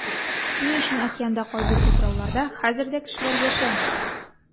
Ни өчен океанда кайбер утрауларда хәзер дә кешеләр яшәми?